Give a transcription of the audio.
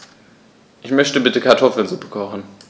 Ich möchte bitte Kartoffelsuppe kochen.